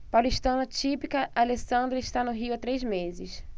paulistana típica alessandra está no rio há três meses